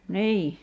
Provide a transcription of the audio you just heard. niin